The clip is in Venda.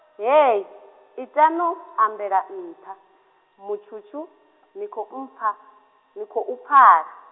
hei, itani u ambela nṱha, Mutshutshu, ni kho mpfa, ni khou pfala.